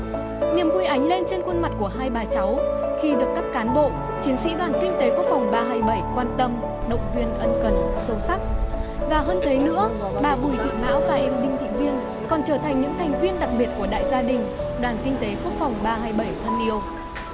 niềm vui ánh lên trên khuôn mặt của hai bà cháu khi được các cán bộ chiến sĩ đoàn kinh tế quốc phòng ba hai bảy quan tâm động viên ân cần sâu sắc và hơn thế nữa bà bùi thị mão và em đinh thị viên còn trở thành những thành viên đặc biệt của đại gia đình đoàn kinh tế quốc phòng ba hai bảy thân yêu